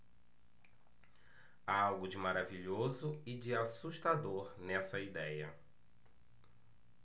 há algo de maravilhoso e de assustador nessa idéia